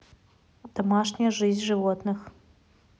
домашняя жизнь животных